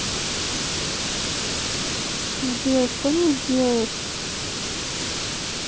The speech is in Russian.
сбер что мне делать